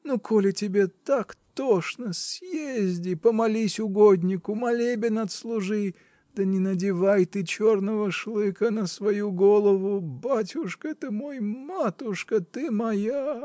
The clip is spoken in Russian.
Ну, коли тебе так тошно, съезди, помолись угоднику, молебен отслужи, да не надевай ты черного шлыка на свою голову, батюшка ты мой, матушка ты моя.